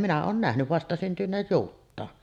minä olen nähnyt vastasyntyneen juuttaan